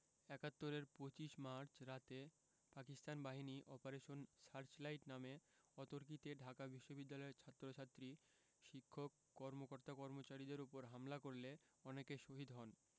৭১ এর ২৫ মার্চ রাতে পাকিস্তান বাহিনী অপারেশন সার্চলাইট নামে অতর্কিতে ঢাকা বিশ্ববিদ্যালয়ের ছাত্রছাত্রী শিক্ষক কর্মকর্তা কর্মচারীদের উপর হামলা করলে অনেকে শহীদ হন